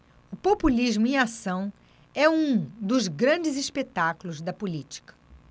o populismo em ação é um dos grandes espetáculos da política